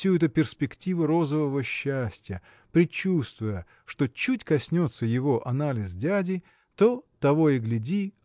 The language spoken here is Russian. всю эту перспективу розового счастья предчувствуя что чуть коснется его анализ дяди то того и гляди